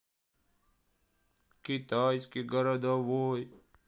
китайский городовой